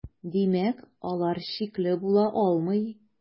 Димәк, алар шикле була алмый.